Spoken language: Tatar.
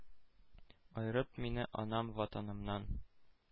Аерып мине анам-Ватанымнан,